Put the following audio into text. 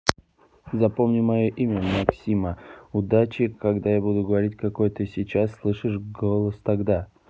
запомни мое имя максима удачи и когда я буду говорить какой ты сейчас слышишь голос тогда